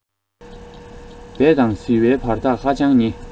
བད དང ཟིལ བའི བར ཐག ཧ ཅང ཉེ